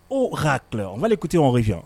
O'a tɔ mali ko tɛ fi yan